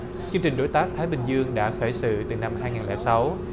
chương trình đối tác thái bình dương đã khởi sự từ năm hai ngàn lẻ sáu